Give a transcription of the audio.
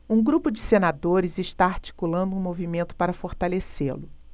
um grupo de senadores está articulando um movimento para fortalecê-lo